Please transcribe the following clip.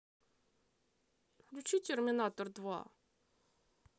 включи терминатор два